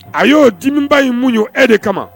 A y'o dimiba in mun ye e de kama